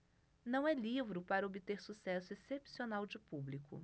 não é livro para obter sucesso excepcional de público